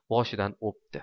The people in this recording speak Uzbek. boshidan o'pdi